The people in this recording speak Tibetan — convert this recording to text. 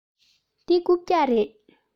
འདི རྐུབ བཀྱག རེད